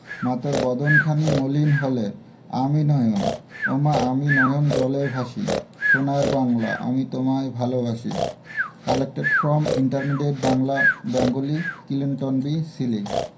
মা তোর বদন খানি মলিন হলে আমি নয়ন ওমা আমি নয়ন জলে ভাসি সোনার বাংলা আমি তোমায় ভালবাসি collected from intermediate Bangla Bengali Clinton B Seely